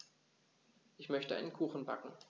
Ich möchte einen Kuchen backen.